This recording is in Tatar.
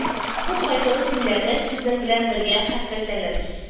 Бу кайгылы көннәрдә сезнең белән бергә хәсрәтләнәбез